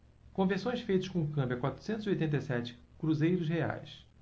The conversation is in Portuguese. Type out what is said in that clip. conversões feitas com câmbio a quatrocentos e oitenta e sete cruzeiros reais